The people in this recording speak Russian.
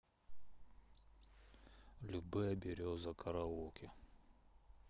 любэ береза караоке